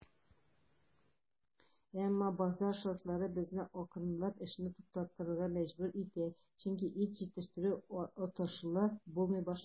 Әмма базар шартлары безне акрынлап эшне туктатырга мәҗбүр итә, чөнки ит җитештерү отышлы булмый башлады.